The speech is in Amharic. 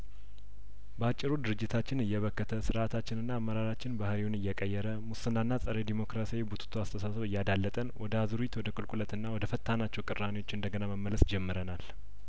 ባጭሩ ድርጅታችን እየበከተ ስርአታችንና አመራራችን ባህርይውን እየቀየረ ሙስናና ጸረ ዴሞክራሲያዊ ቡትቶ አስተሳሰብ እያዳለጠን ወደ አዙሪት ወደ ቁልቁለትና ወደ ፈታናቸው ቅራኔዎች እንደገና መመለስ ጀምረናል